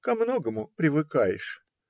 Ко многому привыкаешь.